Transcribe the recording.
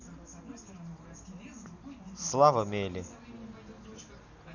слава мели